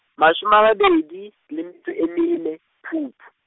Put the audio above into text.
mashome a mabedi, le metso e mene, Phupu.